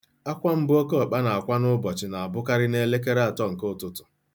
Akwa mbụ okeọkpa na-akwa n'ụbọchị na-abụkarị n'elekere atọ nke ụtụtụ.